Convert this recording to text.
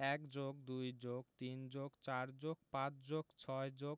১+২+৩+৪+৫+৬+